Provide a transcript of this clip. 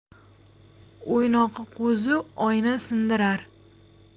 o'ynoqi qo'zi oyna sindirar